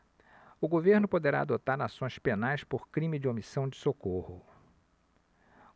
o governo poderá adotar ações penais por crime de omissão de socorro